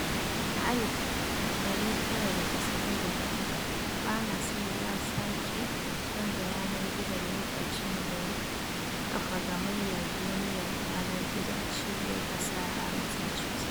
A 1994, Berners-Lee ya sake canza yanar-gizon lokacin da ya kafa Gammayar Duniyar Yanar Gizo a Cibiyar Fasaha Massachusetts.